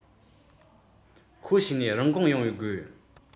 ཁོ བྱས ནས རིན གོང ཡོང བའི དགོས